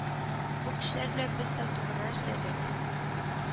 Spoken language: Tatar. Бу кешеләр белән без тату гына эшләдек